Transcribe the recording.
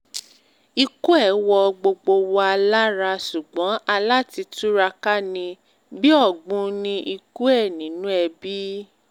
Ikú ẹ̀ wọ gbogbo wa lára sùgbọ́n a lá ti túraká ni. “Bíi ọ̀gbun ni ikú ẹ̀ nínú ẹbí.